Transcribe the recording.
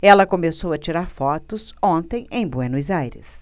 ela começou a tirar fotos ontem em buenos aires